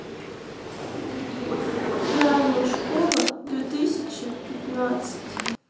драма школа две тысячи пятнадцать